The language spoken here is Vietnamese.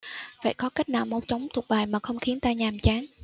vậy có cách nào mau chóng thuộc bài mà không khiến ta nhàm chán